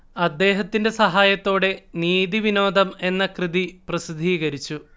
അദ്ദേഹത്തിന്റെ സഹായത്തോടെ നീതി വിനോദം എന്ന കൃതി പ്രസിദ്ധീകരിച്ചു